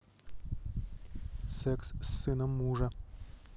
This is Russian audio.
секс с сыном мужа